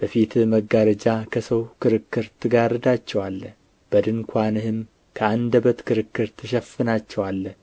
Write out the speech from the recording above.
በፊትህ መጋረጃ ከሰው ክርክር ትጋርዳቸዋለህ በድንኳንህም ከአንደበት ክርክር ትሸፍናቸዋለህ